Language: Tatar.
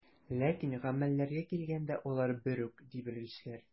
Ләкин гамәлләргә килгәндә, алар бер үк, ди белгечләр.